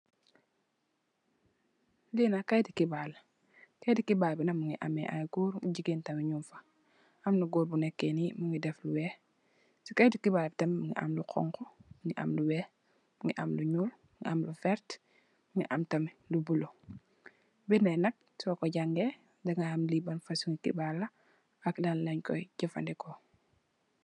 Li nak keyti xibaar la keyti xibaar bi mongi ame ay goor jigeen tam mung fa amna góor bu nete nee mongi def lu weex si keyti xibaar tamit mongi am lu xonxu mogi am lu weex mongi am lu nuul mongi am lu vertax mongi am tamit lu bulu bindai nak soko jangeh daga xam li ban fosongi xibaar la ak lan len koi jefendeko.